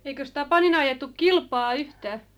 eikös tapanina ajettu kilpaa yhtään